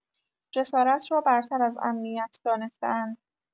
جسارت را برتر از امنیت دانسته‌اند.